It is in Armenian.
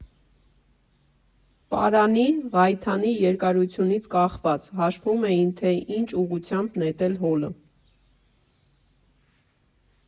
Պարանի՝ ղայթանի երկարությունից կախված՝ հաշվում էին, թե ինչ ուղղությամբ նետել հոլը։